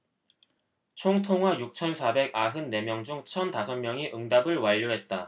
총 통화 육천 사백 아흔 네 명 중 천 다섯 명이 응답을 완료했다